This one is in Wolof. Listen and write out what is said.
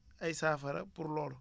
ay saafara pour loolu